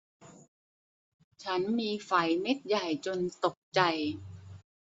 ฉันมีไฝเม็ดใหญ่จนตกใจ